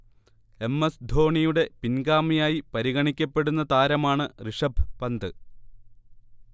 M. S. ധോണിയുടെ പിൻഗാമിയായി പരിഗണിക്കപ്പെടുന്ന താരമാണ് ഋഷഭ് പന്ത്